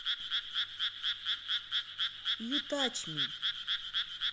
you touch me